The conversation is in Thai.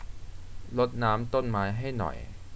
รดน้ำต้นไม้ให้หน่อย